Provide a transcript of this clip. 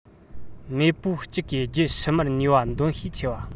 མེས པོ གཅིག པའི རྒྱུད ཕྱི མར ནུས པ འདོན ཤས ཆེ བ